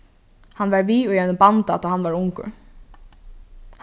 hann var við í einum banda tá hann var ungur